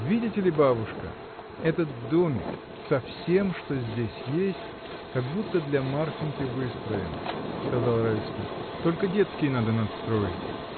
— Видите ли, бабушка: этот домик, со всем, что здесь есть, как будто для Марфиньки выстроен, — сказал Райский, — только детские надо надстроить.